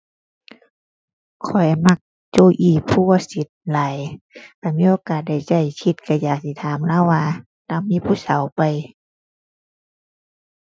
ข้อยมักโจอี้ ภูวศิษฐ์หลาย คันมีโอกาสได้ใกล้ชิดก็อยากสิถามเลาว่า เลามีผู้สาวไป